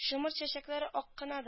Шомырт чәчәкләре ак кына